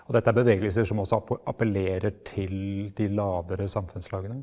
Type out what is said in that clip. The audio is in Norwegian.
og dette er bevegelser som også appellerer til de lavere samfunnslagene?